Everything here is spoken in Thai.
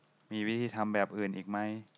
มีวิธีทำแบบอื่นอีกไหม